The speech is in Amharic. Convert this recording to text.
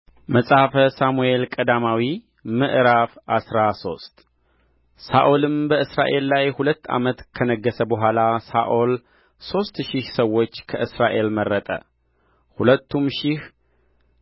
መጽሐፈ ሳሙኤል ቀዳማዊ ምዕራፍ አስራ ሶስት ሳኦልም በእስራኤል ላይ ሁለት ዓመት ከነገሠ በኋላ ሳኦል ሦስት ሺህ ሰዎች ከእስራኤል መረጠ ሁለቱም ሺህ